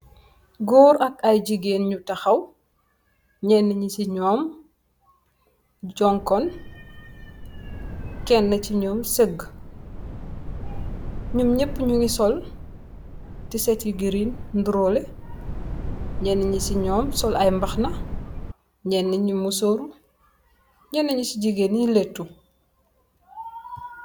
Goor ak ay jigeen nyu tahaw nyena si nyom nyunkon kena si nyom sega nyom nyep nyugi sol t-shirt yu green ndurole nyena nyi si nyom sol ay mbahana nyena nyi musurr nyena si jigeen layto.